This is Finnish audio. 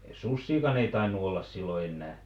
susiakaan ei tainnut olla silloin enää